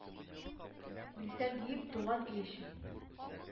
Бирсәм, диеп, туган ил өчен».